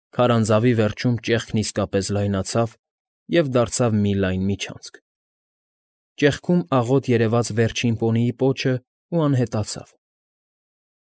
Քարանձավի վերջում ճեղքն իսկապես լայնացավ և դարձավ մի լայն միջանքց, ճեղքում աղոտ երևաց վերջին պոնիի պոչն ու անհետացավ։